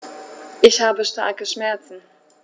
Ich habe starke Schmerzen.